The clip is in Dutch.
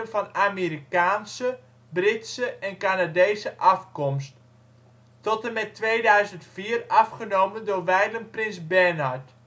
van Amerikaanse, Britse en Canadese afkomst, tot en met 2004 afgenomen door wijlen Prins Bernhard